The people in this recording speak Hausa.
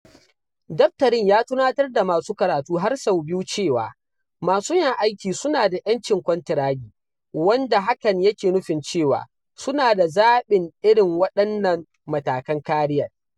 Daftarin ya tunatar da masu karatu har sau biyu cewa, masu yin aikin suna da '''Yancin kwantiragi'', wanda hakan yake nufin cewa, suna da zaɓin irin waɗannan matakan kariyar.